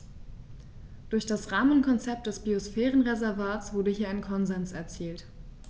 Durch das Rahmenkonzept des Biosphärenreservates wurde hier ein Konsens erzielt.